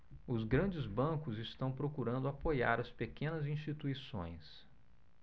os grandes bancos estão procurando apoiar as pequenas instituições